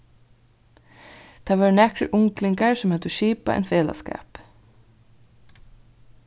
tað vóru nakrir unglingar sum høvdu skipað ein felagsskap